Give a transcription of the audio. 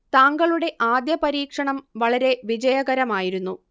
താങ്കളുടെ ആദ്യ പരീക്ഷണം വളരെ വിജയകരമായിരുന്നു